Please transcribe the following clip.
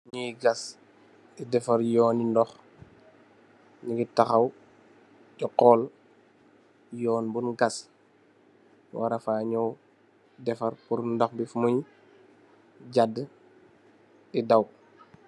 Nii gas di defar yooni ndox, nyingi taxaw, di xool yoon bunj gas, warfa nyaw defar pur ndox bi fu muy jaadd di daw.